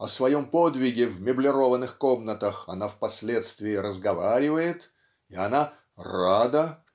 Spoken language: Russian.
о своем подвиге в меблированных комнатах она впоследствии разговаривает и она "рада"